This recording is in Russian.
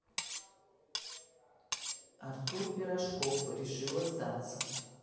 артур пирожков решила сдаться